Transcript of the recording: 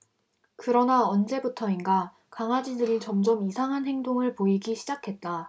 그러나 언제부터인가 강아지들이 점점 이상한 행동을 보이기 시작했다